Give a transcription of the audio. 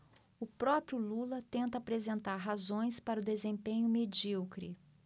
o próprio lula tenta apresentar razões para o desempenho medíocre